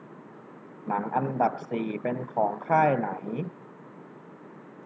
หนังอันดับสี่เป็นของค่ายไหน